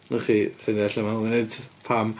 Wnewch chi ffeindio allan mewn munud pam.